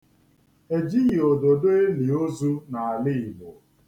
E jighi òdòdo eli ozu n'ala Igbo.